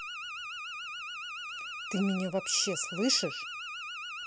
ты меня вообще слышишь